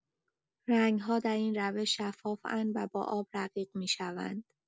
رنگ‌ها در این روش شفاف‌اند و با آب رقیق می‌شوند.